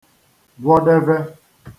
gwọdeve